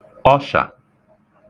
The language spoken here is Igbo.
ọshà